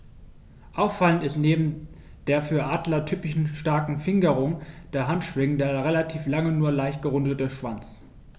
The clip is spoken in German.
Auffallend ist neben der für Adler typischen starken Fingerung der Handschwingen der relativ lange, nur leicht gerundete Schwanz.